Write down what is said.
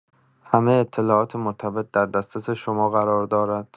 همه اطلاعات مرتبط در دسترس شما قرار دارد.